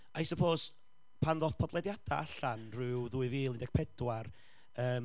I suppose, pan ddoth podlediadau allan ryw ddwy fil un deg pedwar, yym,